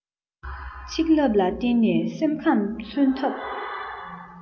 ཆིག ལབ ལ བརྟེན ནས སེམས ཁམས མཚོན ཐབས